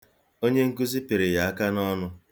Onye nkụzi pịrị ya aka n'ọnụ.